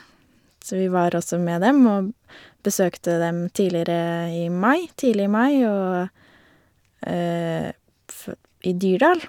Så vi var også med dem og besøkte dem tidligere i mai tidlig i mai og pfå i Dyrdal.